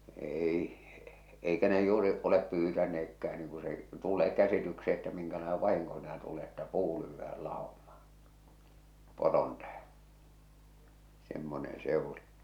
ei eikä ne juuri ole pyytäneetkään niin kun se tulee käsitykseen että minkälainen vahinko siinä tulee että puu lyödään laumaan poron tähden semmoinen se oli